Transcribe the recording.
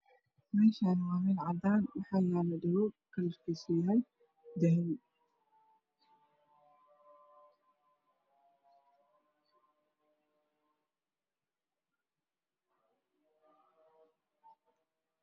Meeshaan waa meel cadaan waxaa yaalo dhego kalarkiisa yahay dahabi